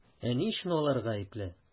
Ә ни өчен алар гаепле?